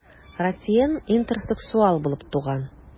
Ратьен интерсексуал булып туган.